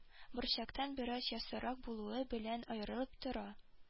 Борчактан бераз яссырак булуы белән аерылып тора